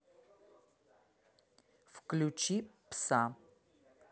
включи пса